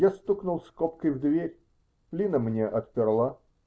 Я стукнул скобкой в дверь, Лина мне отперла